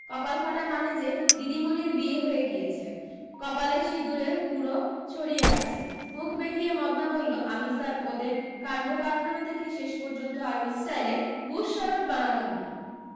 কপাল ফাটা মানে যে দিদিমণির বিয়ে হয়ে গিয়েছে কপালে সিঁদুরের গুঁড়ো ছড়িয়ে আছে মুখ বেঁকিয়ে মদনা বললো আমি স্যার ওদের কাণ্ডকারখানা দেখে শেষ পর্যন্ত আর ওই স্টাইলে বুশশারট বানালাম না